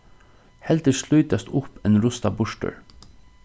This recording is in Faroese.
heldur slítast upp enn rusta burtur